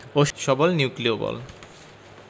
ও সবল নিউক্লিয় বল